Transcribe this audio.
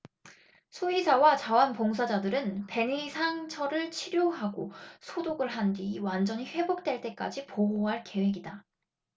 수의사와 자원 봉사자들은 벤의 상처를 치료하고 소독을 한 뒤 완전히 회복할 때까지 보호할 계획이다